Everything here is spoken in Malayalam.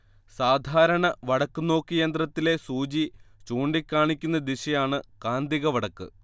സാധാരണ വടക്കുനോക്കിയന്ത്രത്തിലെ സൂചി ചൂണ്ടികാണിക്കുന്ന ദിശയാണ് കാന്തിക വടക്ക്